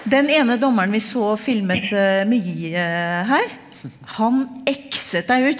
den ene dommeren vi så filmet mye her, han X-et deg ut.